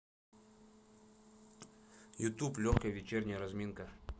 ютуб легкая вечерняя разминка